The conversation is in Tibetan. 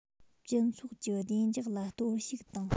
སྤྱི ཚོགས ཀྱི བདེ འཇགས ལ གཏོར བཤིག དང